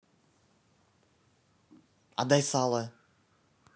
отдай сало